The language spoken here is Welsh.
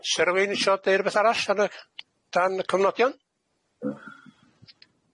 'Sa rywun isio deud rwbeth arall ar y dan y cofnodion?